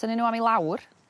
tynnu n'w am i lawr